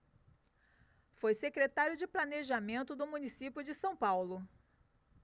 foi secretário de planejamento do município de são paulo